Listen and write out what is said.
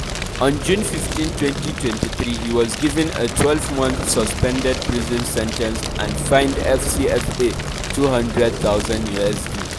On June 15, 2023, he was given a 12-month suspended prison sentence and fined FCFA 200,000 (USD 322).